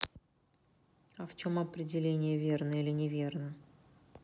а в чем определение верно или неверно